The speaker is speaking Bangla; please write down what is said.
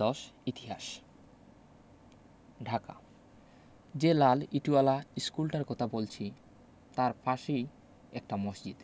১০ ইতিহাস ঢাকা যে লাল ইটোয়ালা ইশকুলটার কতা বলছি তাই পাশেই একটা মসজিদ